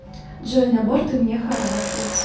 джой набор ты мне хороший